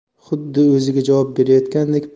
xuddi o'ziga javob berayotgandek